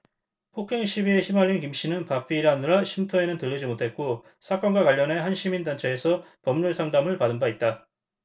폭행시비에 휘말린 김씨는 바삐 일하느라 쉼터에는 들르지 못했고 사건과 관련해 한 시민단체에서 법률상담을 받은 바 있다